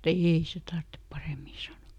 ei se tarvitse paremmin sanoi